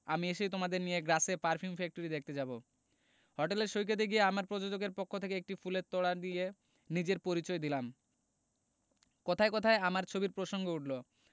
আমি এসেই তোমাদের নিয়ে গ্রাসে পারফিউম ফ্যাক্টরি দেখতে যাবো হোটেলের সৈকতে গিয়ে আমার প্রযোজকের পক্ষ থেকে একটি ফুলের তোড়া দিয়ে নিজের পরিচয় দিলাম কথায় কথায় আমার ছবির প্রসঙ্গ উঠলো